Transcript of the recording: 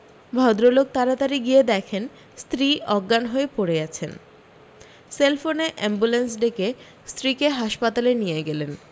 ভদ্রলোক তাড়াতাড়ি গিয়ে দেখেন স্ত্রী অজ্ঞান হয়ে পড়ে আছেন সেলফোনে আম্বুলেন্স ডেকে স্ত্রীকে হাসপাতালে নিয়ে গেলেন